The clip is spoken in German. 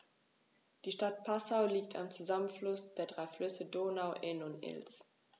Die Stadt Passau liegt am Zusammenfluss der drei Flüsse Donau, Inn und Ilz.